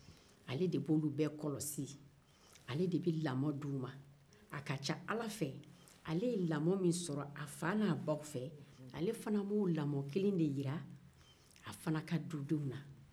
ale de b'olu bɛɛ kɔlɔsi ale de bɛ lamɔ d'u ma a ka ca ala fɛ ale ye lamɔ min sɔrɔ a fa n'a b'aw fɛ ale fana b'o lamɔ kelen de yira a fana ka dudenw na